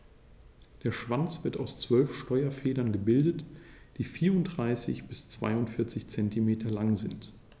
Der Schwanz wird aus 12 Steuerfedern gebildet, die 34 bis 42 cm lang sind.